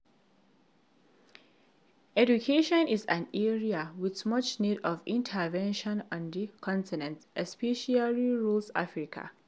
Education is an area with much need of intervention on the continent, especially rural Africa.